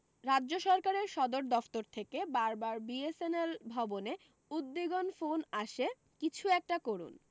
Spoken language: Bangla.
রাজ্য সরকারের সদর দফতর থেকে বারবার বিএসেনেল ভবনে উদ্বিগন ফোন যায় কিছু একটা করুণ